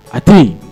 A tɛ yen